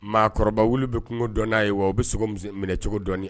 Maakɔrɔba wulu bɛ kungo dɔn n'a ye wa o be sogo mise minɛcogo dɔn ni